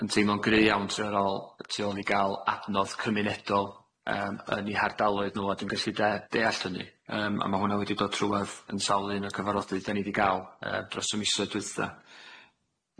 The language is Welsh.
yn teimlo'n gry' iawn troi ar ôl, tu ôl i ga'l adnodd cymunedol yym yn i hardaloedd nhw a dwi'n gallu de- deall hynny yym a ma' hwnna wedi dod trwadd yn sawl un o'r cyfarfodydd 'dan ni 'di ga'l yy dros y misoedd dwytha.